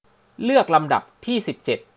เลือกลำดับที่สิบเจ็ด